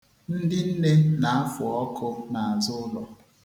Ndị nne na-afụ ọkụ n'azụụlọ.